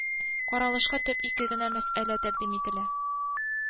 Каралышка төп ике генә мәсьәлә тәкъдим ителә